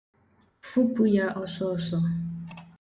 Fopụ ya ọsọọsọ.